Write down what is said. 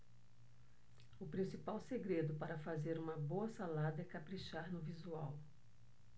o principal segredo para fazer uma boa salada é caprichar no visual